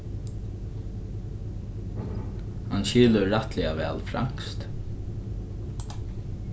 hann skilur rættiliga væl franskt